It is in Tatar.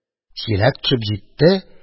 Чиләк төшеп җитте